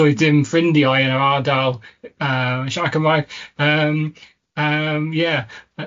Doedd dim ffrindiau yn yr ardal y- yy yn siarad Cymraeg yym yym ie yy